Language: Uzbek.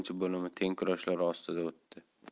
teng kurashlar ostida o'tdi